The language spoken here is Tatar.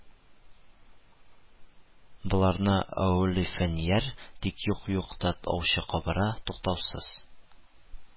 Боларны аөлый фәнияр, тик юк-юк та ачуы кабара, туктаусыз